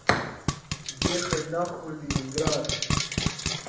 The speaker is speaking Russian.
ехай на хуй ленинград